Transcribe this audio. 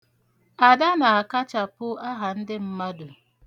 Ada na-akachapụ aha ndị mmadụ.